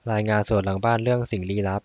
รายงานสวนหลังบ้านเรื่องสิ่งลี้ลับ